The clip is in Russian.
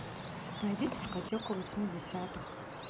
найди дискотеку восьмидесятых